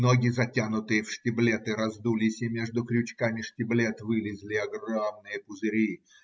Ноги, затянутые в штиблеты, раздулись и между крючками штиблет вылезли огромные пузыри.